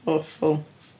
Awful